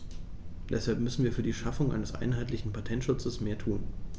Deshalb müssen wir für die Schaffung eines einheitlichen Patentschutzes mehr tun.